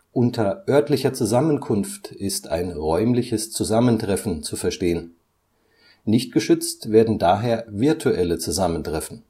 Unter örtlicher Zusammenkunft ist ein räumliches Zusammentreffen zu verstehen. Nicht geschützt werden daher virtuelle Zusammentreffen